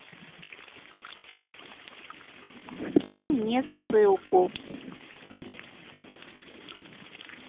скинь мне ссылку